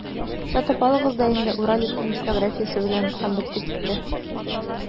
Сатып алыгыз да инде «Уралец»ны типографиясе белән, һәм бетте-китте!